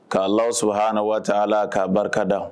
K'alawso haa na waati waa k'a barikada